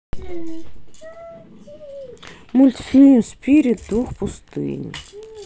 мультфильм спирит дух пустыни